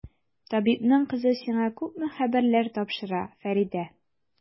Табибның кызы сиңа күпме хәбәрләр тапшыра, Фәридә!